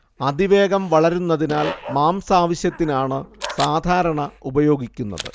അതിവേഗം വളരുന്നതിനാൽ മാംസാവശ്യത്തിനാണ് സാധാരണ ഉപയോഗിക്കുന്നത്